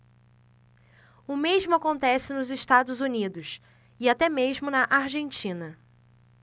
o mesmo acontece nos estados unidos e até mesmo na argentina